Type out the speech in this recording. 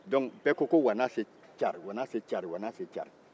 o la bɛɛ ko wanase cari wanase cari